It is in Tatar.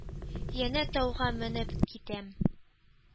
Янә тауга менеп китәм.